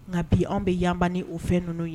Nka bi an bɛ yanban ni o fɛn n ninnu ye